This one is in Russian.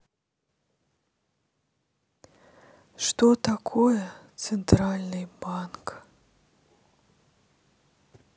что такое центральный банк